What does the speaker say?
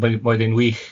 Roe- roedd un wych.